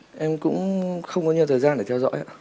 em cũng không có nhiều thời gian để theo dõi ạ